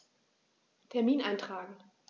Termin eintragen